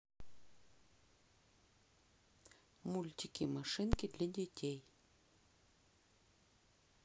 мультики машинки для детей